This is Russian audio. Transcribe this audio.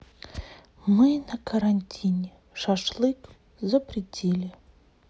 мы на карантине шашлык запретили